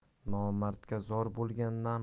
nomardga zor bo'lgandan